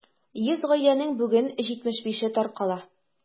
100 гаиләнең бүген 75-е таркала.